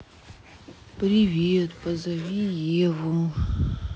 привет позови еву